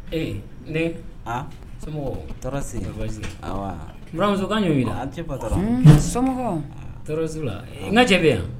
Ee n den aa sɔmɔgɔw tɔɔrɔ si tɛ yi n buramuso kan jumɛn b'i da so tɔɔrɔ si t'o la n ka cɛ bɛ wa.